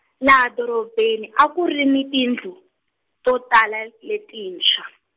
laha doropeni a ku ri ni tindlu, to tala letintshwa.